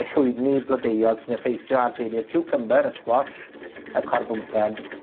y llwydni blodeuog, sy'n effeithio ar deulu'r ciwcymbyr, y squash, y corbwmpen,